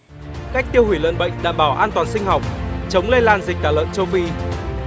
cách tiêu hủy lợn bệnh đảm bảo an toàn sinh học chống lây lan dịch tả lợn châu phi